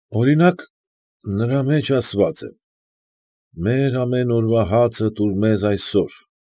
Օրինակ, նրա մեջ ասված է. «Մեր ամեն օրվա հացը տուր մեզ այսօր»։